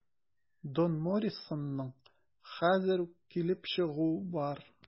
Дон Морисионың хәзер үк килеп чыгуы бар.